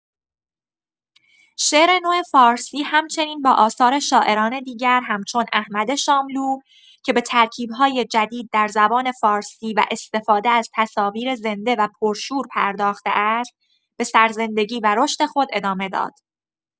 شعر نو فارسی همچنین با آثار شاعران دیگر همچون احمد شاملو، که به ترکیب‌های جدید در زبان فارسی و استفاده از تصاویر زنده و پرشور پرداخته است، به سرزندگی و رشد خود ادامه داد.